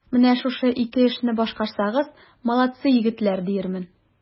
Менә шушы ике эшне башкарсагыз, молодцы, егетләр, диярмен.